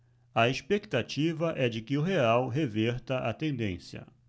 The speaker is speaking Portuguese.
a expectativa é de que o real reverta a tendência